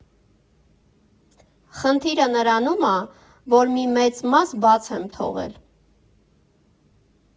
Խնդիրը նրանում ա, որ մի մեծ մաս բաց եմ թողել։